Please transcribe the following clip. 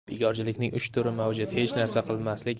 bekorchilikning uch turi mavjud hech narsa qilmaslik